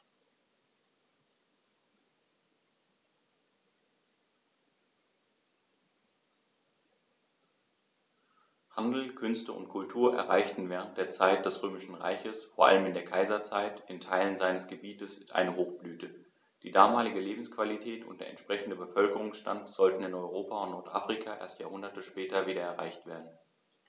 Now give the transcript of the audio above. Handel, Künste und Kultur erreichten während der Zeit des Römischen Reiches, vor allem in der Kaiserzeit, in Teilen seines Gebietes eine Hochblüte, die damalige Lebensqualität und der entsprechende Bevölkerungsstand sollten in Europa und Nordafrika erst Jahrhunderte später wieder erreicht werden.